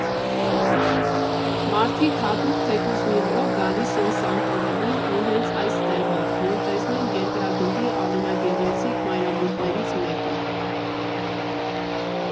Մարդիկ հատուկ, թեկուզ մի օրով գալիս են Սանտորինի, ու հենց այս տեղը, որ տեսնեն երկրագնդի ամենագեղեցիկ մայրամուտներից մեկը։